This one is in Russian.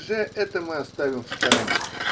Ж. , это мы оставим в стороне.